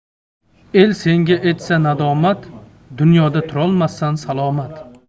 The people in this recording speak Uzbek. el senga etsa nadomat dunyoda turolmassan salomat